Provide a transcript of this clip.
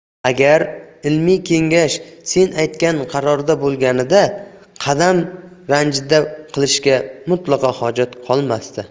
agar ilmiy kengash sen aytgan qarorda bo'lganida qadam ranjida qilishingga mutlaqo hojat qolmasdi